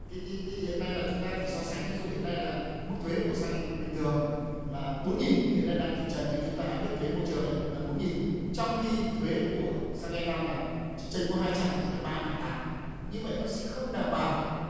kí kí kí hiện nay là chúng ta vì so sánh ví dụ hiện nay là mức thuế của xăng bình thường là bốn nghìn hiện nay đang kịch trần như chúng ta đã biết thuế môi trường ấy là bốn nghìn trong khi thuế của xăng e năm là chỉ chênh có hai trăm tức là ba ngàn tám như vậy nó sẽ không đảm bảo